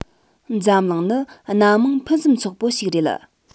འཛམ གླིང ནི སྣ མང ཕུན སུམ ཚོགས པོ ཞིག རེད